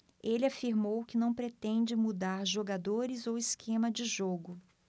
ele afirmou que não pretende mudar jogadores ou esquema de jogo